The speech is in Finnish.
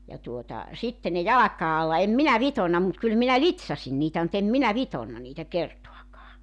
ja tuota sitten ne jalkojen alla en minä vitonut mutta kyllä minä litsasin niitä mutta en minä vitonut niitä kertaakaan